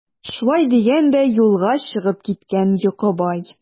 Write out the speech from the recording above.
Шулай дигән дә юлга чыгып киткән Йокыбай.